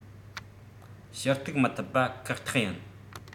ཞུ གཏུག མི ཐུབ པ ཁག ཐེག ཡིན